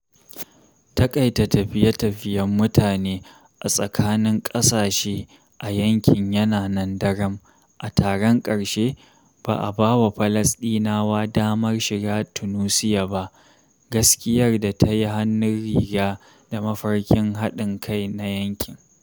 Taƙaita tafiye-tafiyen mutane a tsakanin ƙasashe a yankin yana nan daram (a taron ƙarshe, ba a ba wa Falasɗinawa damar shiga Tunisiya ba), gaskiyar da tayi hannun riga da mafarkin haɗin kai na yankin.